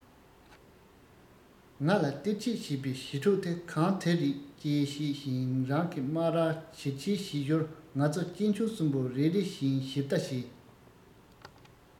ང ལ སྟེར ཆད བྱེད པའི ཞི ཕྲུག དེ གང དེ རེད ཅེས བཤད བཞིན རང གི སྨ རར བྱིལ བྱིལ བྱེད ཞོར ང ཚོ གཅེན གཅུང གསུམ པོ རེ རེ བཞིན ཞིབ ལྟ བྱས